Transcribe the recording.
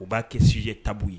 U b'a kɛ s ta ye